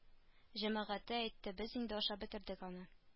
Җәмәгате әйтте без инде ашап бетердек аны